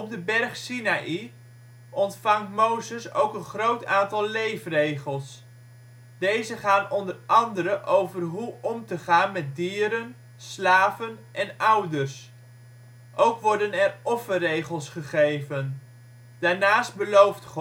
de berg Sinai ontvangt Mozes ook een groot aantal leefregels. Deze gaan onder andere over hoe om te gaan met dieren, slaven en ouders. Ook worden er offerregels gegeven. Daarnaast belooft